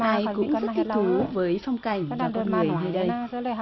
ai cũng rất thích thú với phong cảnh và con người nơi đây